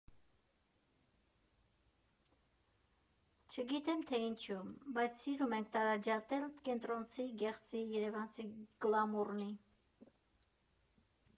Չգիտեմ, թե ինչո՞ւ, բայց սիրում ենք տարանջատել՝ կենտրոնցի, գեղցի, երևանցի, գլամուռնի…